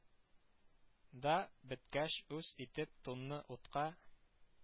Да, беткә өч итеп тунны утка